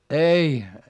ei